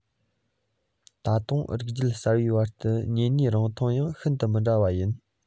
ད དུང རིགས རྒྱུད གསར པའི བར གྱི གཉེན ཉེའི རིང ཐུང ཡང ཤིན ཏུ མི འདྲ བ ཡིན